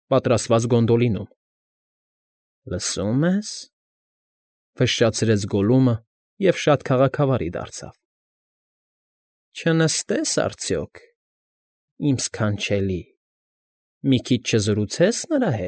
Պատրաստված Գոնդոլինում։ ֊ Լս֊ս֊սո՞ւմ ես,֊ ֆշշացրեց Գոլլումը և շատ քաղաքավարի դարձավ։֊ Չնս֊ս֊ստե՞ս արդյոք, իմ ս֊ս֊ս֊քանչելի, մի քիչ չզրու֊ցե՞ս֊ս֊ս նրա։